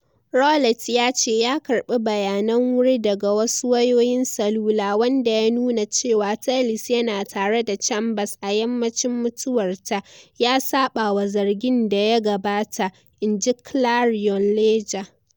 Rowlett ya ce ya karbi bayanan wuri daga wasu wayoyin salula wanda ya nuna cewa Tellis yana tare da Chambers a yammacin mutuwar ta, ya saba wa zargin da ya gabata, in ji Clarion Ledger.